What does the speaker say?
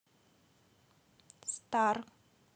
star